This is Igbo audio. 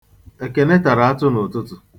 Ekene tara atụ n'ụtụtụ.